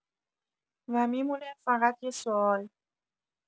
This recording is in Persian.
و می‌مونه فقط یه سوال